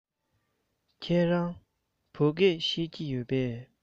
ཁྱེད རང བོད སྐད ཤེས ཀྱི ཡོད པས